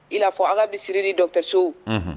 I n'a an bɛsiri ni dɔ kɛ so